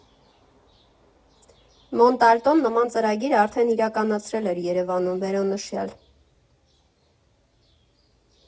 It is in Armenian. Մոնտալտոն նման ծրագիր արդեն իրականացրել էր Երևանում՝ վերոնշյալ։